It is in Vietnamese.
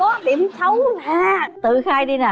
có điểm xấu ha tự khai đi nà